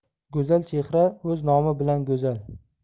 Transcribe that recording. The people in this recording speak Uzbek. go'zal chehra o'z nomi bilan go'zal